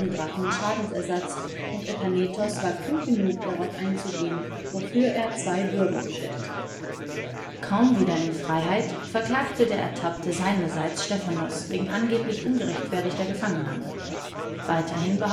Drachmen Schadensersatz, und Epainetos war klug genug, darauf einzugehen, wofür er zwei Bürgen bestellte. Kaum wieder in Freiheit, verklagte der Ertappte seinerseits Stephanos wegen angeblich ungerechtfertigter Gefangennahme. Weiterhin